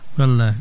wallahi